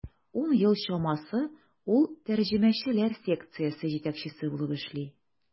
Ун ел чамасы ул тәрҗемәчеләр секциясе җитәкчесе булып эшли.